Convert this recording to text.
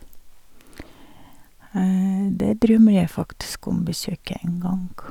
Det drømmer jeg faktisk om besøke en gang.